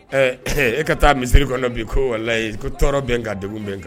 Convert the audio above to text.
Ɛɛ e ka taa misiri kɔnɔ bi ko walahi ko tɔɔrɔ bɛn n kan degun bɛ n kan